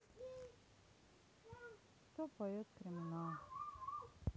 кто поет криминал